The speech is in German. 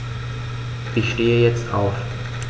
Ich stehe jetzt auf.